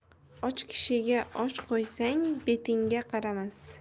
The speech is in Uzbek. och kishiga osh qo'ysang betingga qaramas